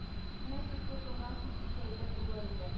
Менә сез тотынсагыз бик әйбәт булыр иде